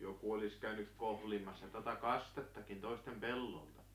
joku olisi käynyt kohlimassa tuota kastettakin toisten pellolta